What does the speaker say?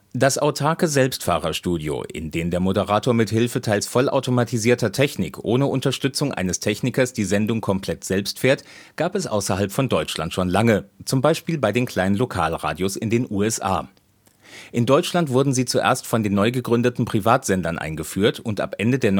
Das autarke Selbstfahrerstudio, in denen der Moderator mit Hilfe teils vollautomatisierter Technik ohne Unterstützung eines Technikers die Sendung komplett selbst fährt, gab es außerhalb von Deutschland schon lange, z. B. bei den kleinen Lokalradios in den USA. In Deutschland wurden sie zuerst von den neu gegründeten Privatsendern eingeführt und ab Ende der